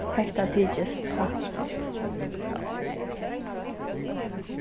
hetta tykist hættisligt